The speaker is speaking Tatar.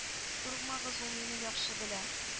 Курыкмагыз ул мине яхшы белә